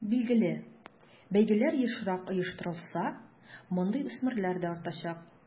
Билгеле, бәйгеләр ешрак оештырылса, мондый үсмерләр дә артачак.